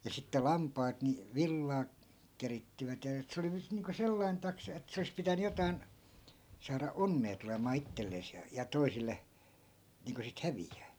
ja sitten lampaat niin villaa keritsivät ja että se oli nyt niin kuin sellainen taksa että se olisi pitänyt jotakin saada onnea tulemaan itselleen ja ja toisille niin kuin sitten häviää